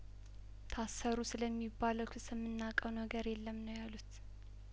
ታሰሩ ስለሚ ባለው ክስ እምና ቀው ነገር የለም ነው ያሉት